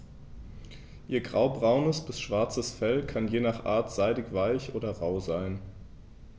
Ihr graubraunes bis schwarzes Fell kann je nach Art seidig-weich oder rau sein.